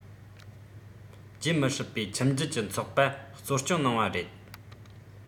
བརྗེད མི སྲིད པའི ཁྱིམ རྒྱུད ཀྱི ཚོགས པ གཙོ སྐྱོང གནང བ རེད